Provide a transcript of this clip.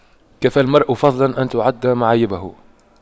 كفى المرء فضلا أن تُعَدَّ معايبه